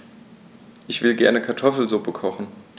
Ich will gerne Kartoffelsuppe kochen.